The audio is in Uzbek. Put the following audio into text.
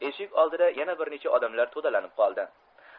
eshik oldida yana bir necha odamlar to'dalanib koldi